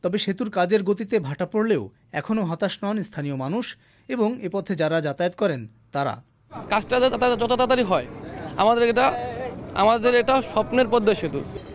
তবে সেতুর কাজের গতিতে ভাটা পড়লেও এখনো হতাশ নন স্থানীয় মানুষ এবং এ পথে যারা যাতায়াত করেন তারা কাজটা যত তাড়াতাড়ি হয় আমাদের এটা আমাদের এটা স্বপ্নের পদ্মা সেতু